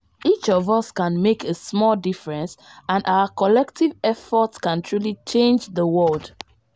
Each of us can make a small difference and our collective efforts can truly change the world.